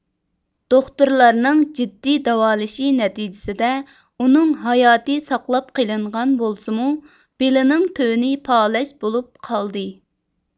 دوختۇرلارنىڭ جىددىي داۋالىشى نەتىجىسىدە ئۇنىڭ ھاياتى ساقلاپ قېلىنغان بولسىمۇ بېلىنىڭ تۆۋىنى پالەچ بولۇپ قالدى